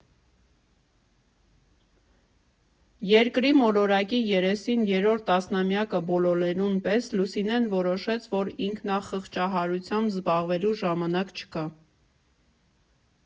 Երկրի մոլորակի երեսին երրորդ տասնամյակը բոլորելուն պես Լուսինեն որոշեց, որ ինքնախղճահարությամբ զբաղվելու ժամանակ չկա։